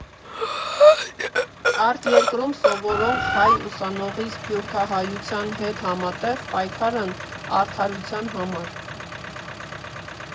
Արտերկրում սովորող հայ ուսանողի՝ սփյուռքահայության հետ համատեղ պայքարն արդարության համար։